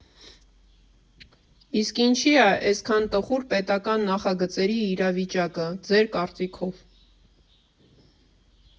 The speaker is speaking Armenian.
Իսկ ինչի՞ ա էսքան տխուր պետական նախագծերի իրավիճակը, ձեր կարծիքով։